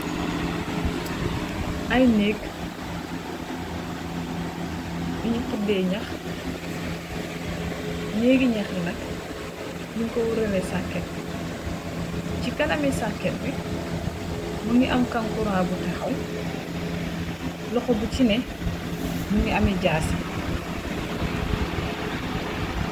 Ay nèèk yu nju xaddeh ñax, waraleku ay saket. Ci kanabi saket bi mungi am ap kankuran bi fa taxaw yorèh jaasi ci ñaari loxom yi.